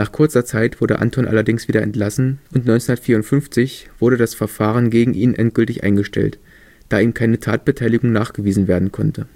kurzer Zeit wurde Anton allerdings wieder entlassen und 1954 wurde das Verfahren gegen ihn endgültig eingestellt, da ihm keine Tatbeteiligung nachgewiesen werden konnte